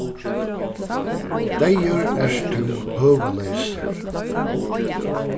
deyður ert tú høvuðleysur